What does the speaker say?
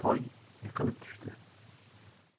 toy yiqilib tushdi